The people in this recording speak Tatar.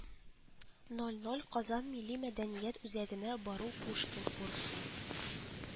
Ноль ноль казан милли мәдәният үзәгенә бару пушкин ур